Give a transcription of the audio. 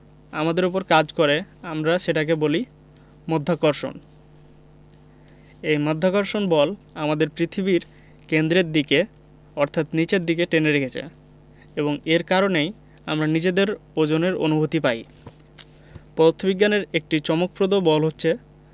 আমাদের ওপর কাজ করে আমরা সেটাকে বলি মধ্যাকর্ষণ এই মধ্যাকর্ষণ বল আমাদের পৃথিবীর কেন্দ্রের দিকে অর্থাৎ নিচের দিকে টেনে রেখেছে এবং এর কারণেই আমরা নিজেদের ওজনের অনুভূতি পাই পদার্থবিজ্ঞানের একটি চমকপ্রদ বল হচ্ছে